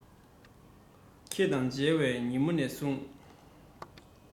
ཁྱེད དང མཇལ བའི ཉིན མོ ནས བཟུང